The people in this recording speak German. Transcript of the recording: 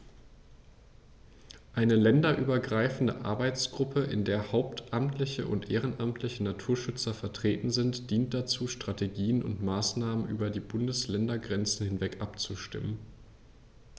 Eine länderübergreifende Arbeitsgruppe, in der hauptamtliche und ehrenamtliche Naturschützer vertreten sind, dient dazu, Strategien und Maßnahmen über die Bundesländergrenzen hinweg abzustimmen.